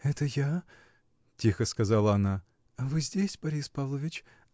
— Это я, — тихо сказала она, — вы здесь, Борис Павлович?